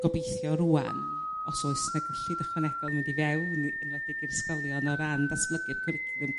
gobeithio rŵan os oes 'na gyllid ychwanegol mynd i fewn yn 'wedig i'r ysgolion o ran datblygu'r cwricwlwlm